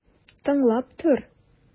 Тыңлап тор!